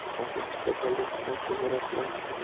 afsuski kasallik xitoy chegarasidan chiqib